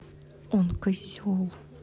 он козел